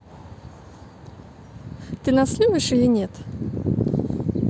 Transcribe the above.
ты нас любишь или нет